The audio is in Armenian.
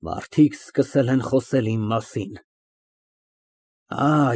Մարդիկ սկսել են խոսել իմ մասին։